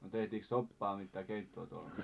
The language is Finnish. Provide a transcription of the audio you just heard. no tehtiinkö soppaa mitään keittoa tuollaista